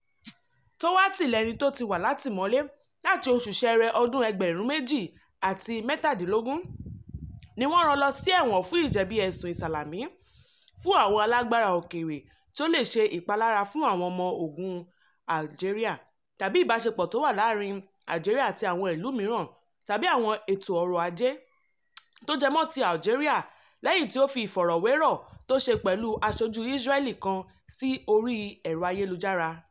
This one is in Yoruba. Touati, lẹ́ni tó ti wà látìmọ́lé láti oṣù Ṣẹẹrẹ, ọdún 2017, ni wọ́n rán lọ́ sí ẹ̀wọ̀n fún ìjẹbi ẹ̀sun ìṣalamí fún àwọn alágbara òkèèrè tí ó lè ṣe ìpalára fún àwọn ọmọ ogun Algeria tàbí ìbáṣepọ̀ tó wà láàárìn Algeria àti àwọn ìlú míràn tàbí àwọn ètò ọrọ̀ ajé tó jẹ mọ́ ti Algeria lẹ́yìn to fi ìfọ̀rọ̀wérọ̀ tó ṣe pẹ̀lú aṣojú Israeli kan sí orí ẹ̀rọ ayélujára.